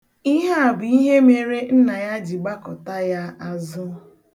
Ihe a bụ ihe mere nna ya ji gbakụta ya azụ.